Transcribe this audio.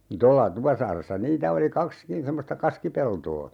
tuolla Tupasaaressa niitä oli kaksikin semmoista kaskipeltoa